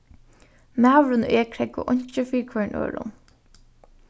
maðurin og eg krógva einki fyri hvørjum øðrum